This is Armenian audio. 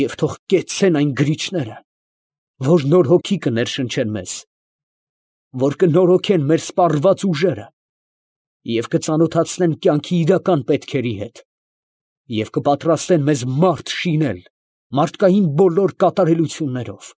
Եվ թո՛ղ կեցցե՜ն այն գրիչները, որ նոր հոգի կներշնչեն մեզ, որ կնորոգեն մեր սպառված ուժերը և կծանոթացնեն կյանքի իրական պետքերի հետ և կպատրաստեն մեզ մարդ շինել՝ մարդկային բոլոր կատարելություններով»։